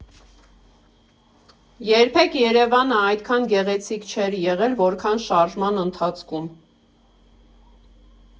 Երբեք Երևանը այդքան գեղեցիկ չէր եղել, որքան շարժման ընթացքում։